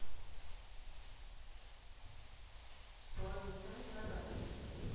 что означает наталья